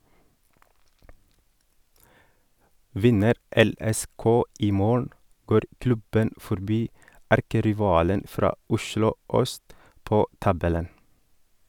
Vinner LSK i morgen, går klubben forbi erkerivalen fra Oslo øst på tabellen.